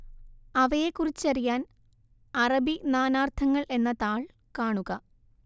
അവയെക്കുറിച്ചറിയാൻ അറബി നാനാർത്ഥങ്ങൾ എന്ന താൾ കാണുക